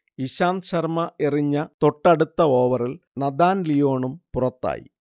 ഇശാന്ത് ശർമ എറിഞ്ഞ തൊട്ടടുത്ത ഓവറിൽ നഥാൻ ലിയോണും പുറത്തായി